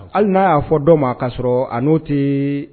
Hali n'a y'a fɔ dɔ ma ka sɔrɔ a n'o tɛ